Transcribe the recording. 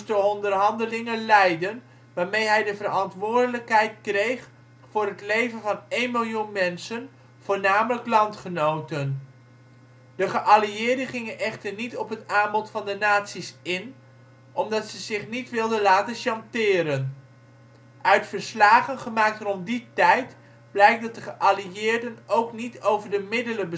onderhandelingen leiden, waarmee hij de verantwoordelijkheid kreeg voor het leven van één miljoen mensen, voornamelijk landgenoten. De geallieerden gingen echter niet op het aanbod van de nazi 's in, omdat ze zich niet wilden laten chanteren. Uit verslagen gemaakt rond die tijd blijkt dat de geallieerden ook niet over de middelen